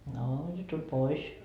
no ja tuli pois